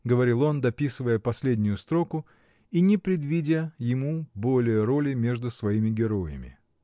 — говорил он, дописывая последнюю строку и не предвидя ему более роли между своими героями.